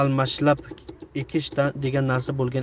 almashlab ekish degan narsa bo'lgan emas